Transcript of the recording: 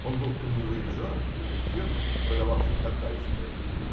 он был коммивояжером какой то фирмы, продававшей токайское.